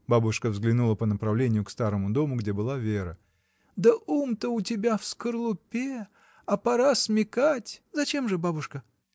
— бабушка взглянула по направлению к старому дому, где была Вера, — да ум-то у тебя в скорлупе, а пора смекать. — Зачем же, бабушка?